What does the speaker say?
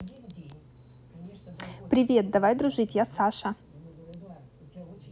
привет давай дружить я саша